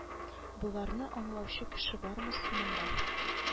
Боларны аңлаучы кеше бармы соң монда